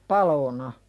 paloina